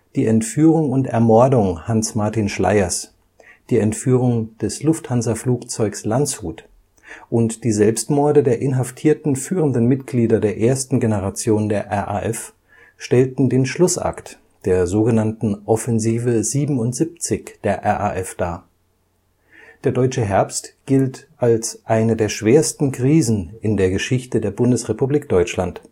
Die Entführung und Ermordung Hanns Martin Schleyers, die Entführung des Lufthansa-Flugzeugs Landshut und die Selbstmorde der inhaftierten führenden Mitglieder der ersten Generation der RAF stellten den Schlussakt der so genannten Offensive 77 der RAF dar. Der Deutsche Herbst gilt als eine der schwersten Krisen in der Geschichte der Bundesrepublik Deutschland